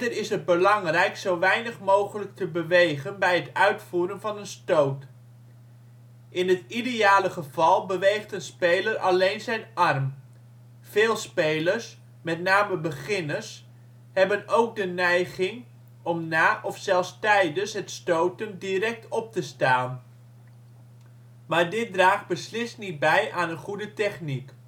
is het belangrijk zo weinig mogelijk te bewegen bij het uitvoeren van een stoot; in het ideale geval beweegt een speler alleen zijn arm. Veel spelers (met name beginners) hebben ook de neiging om na of zelfs tijdens het stoten direct op te staan, maar dit draagt beslist niet bij aan een goede techniek